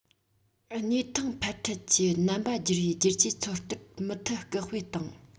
གནས ཐང འཕར ཁྲལ གྱི རྣམ པ སྒྱུར བའི བསྒྱུར བཅོས ཚོད ལྟར མུ མཐུད སྐུལ སྤེལ བཏང